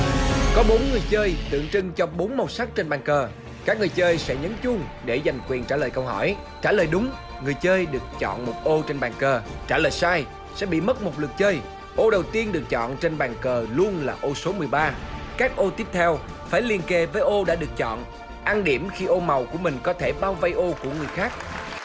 có bốn người chơi tượng trưng cho bốn màu sắc trên bàn cờ các người chơi sẽ nhấn chuông để giành quyền trả lời câu hỏi trả lời đúng người chơi được chọn một ô trên bàn cờ trả lời sai sẽ bị mất một lượt chơi ô đầu tiên được chọn trên bàn cờ luôn là ô số mười ba các ô tiếp theo phải liền kề với ô đã được chọn ăn điểm khi ô màu của mình có thể bao vây ô của người khác